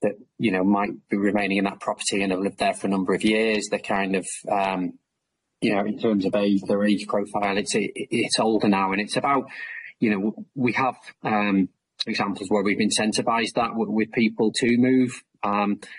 that you know might be remaining in that property and have lived there for a number of years they're kind of um you know in terms of age their age profile it's a- i- it's older now and it's about you know w- we have um examples where we've incentivized that w- with people to move um